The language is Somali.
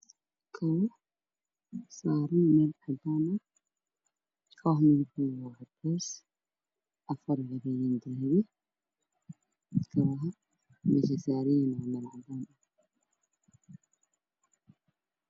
Waa laba kabood waa midabkooda yihiin caddaan waxa ay saaran yihiin miis caddaan